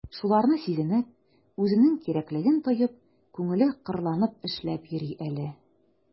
Шуларны сизенеп, үзенең кирәклеген тоеп, күңеле кырланып эшләп йөри әле...